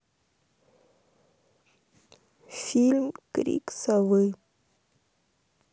фильм крик совы